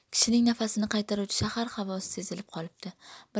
kishining nafasini qaytaruvchi shahar havosi sezilib qolibdi